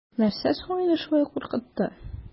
Нәрсә саине шулай куркытты?